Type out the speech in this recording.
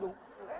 đúng